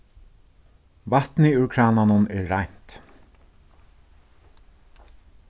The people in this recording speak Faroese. vatnið úr krananum er reint